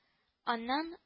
Аннан